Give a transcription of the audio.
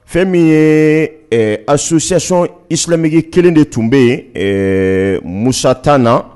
Fɛn min ye ɛɛ association islamique 1 de tun bɛ yen ɛɛ Musa tan na